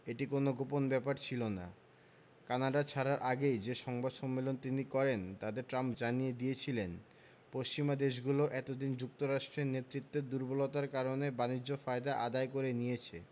এটি কোনো গোপন ব্যাপার ছিল না কানাডা ছাড়ার আগে যে সংবাদ সম্মেলন তিনি করেন তাতে ট্রাম্প জানিয়ে দিয়েছিলেন পশ্চিমা দেশগুলো এত দিন যুক্তরাষ্ট্রের নেতৃত্বের দুর্বলতার কারণে বাণিজ্য ফায়দা আদায় করে নিয়েছে